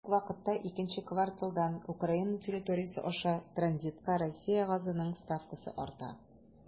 Бер үк вакытта икенче кварталдан Украина территориясе аша транзитка Россия газының ставкасы арта.